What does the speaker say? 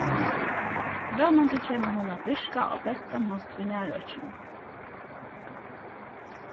vónandi kemur hon at virka á bestan hátt í nærøkinum